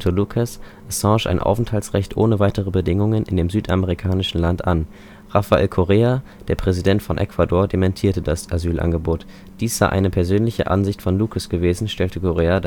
Lucas, Assange ein Aufenthaltsrecht ohne weitere Bedingungen in dem südamerikanischen Land an. Rafael Correa, der Präsident von Ecuador, dementierte das Asylangebot. Dies sei eine persönliche Ansicht von Lucas gewesen, stellte Correa